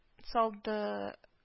Салдыы